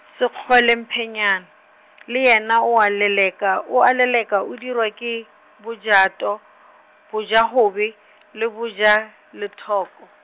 Sekgole Mphonyana, le yena o a leleka, o a leleka o dirwa ke, bojato, bojagobe, le bo ja, lethoko.